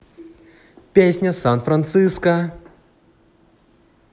песня san francisco